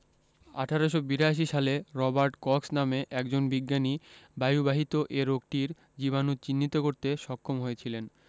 ১৮৮২ সালে Robert Cox নামে একজন বিজ্ঞানী বায়ুবাহিত এ রোগটির জীবাণু চিহ্নিত করতে সক্ষম হয়েছিলেন